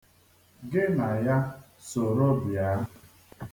Gị na ya soro bịa.